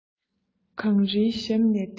གངས རིའི ཞབས ནས ལྟས པས